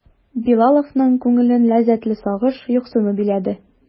Билаловның күңелен ләззәтле сагыш, юксыну биләде.